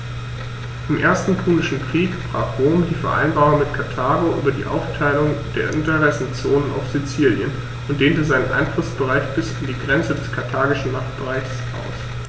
Im Ersten Punischen Krieg brach Rom die Vereinbarung mit Karthago über die Aufteilung der Interessenzonen auf Sizilien und dehnte seinen Einflussbereich bis an die Grenze des karthagischen Machtbereichs aus.